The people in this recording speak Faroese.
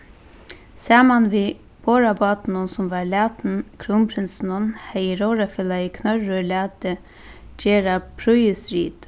saman við borðabátinum sum varð latin krúnprinsinum hevði róðrarfelagið knørrur latið gera prýðisrit